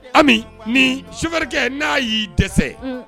Ami ni sɛrikɛ n'a y'i dɛsɛ